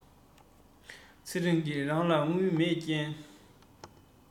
ཚེ རིང གི རང ལ དངུལ མེད རྐྱེན